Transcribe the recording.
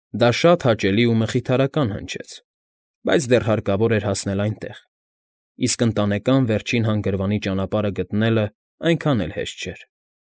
Դա շատ հաճելի ու մխիթարական հնչեց, բայց դեռ հարկավոր էր հասնել այնտեղ, իսկ Ընտանեկան Վերջին Հանգրվանի ճանապարհը գտնելն այնքան էլ հեշտ չէր։